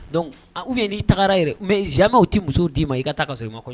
Dɔnku u n'i tagara yɛrɛ mɛ zimaw tɛ muso d'i ma i ka taa ka so i ma kɔnɔ